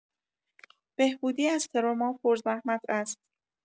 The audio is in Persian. بهبودی از تروما پرزحمت است.